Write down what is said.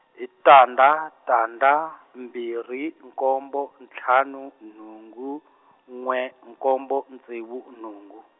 i tandza tandza mbirhi nkombo ntlhanu nhungu n'we nkombo ntsevu nhungu.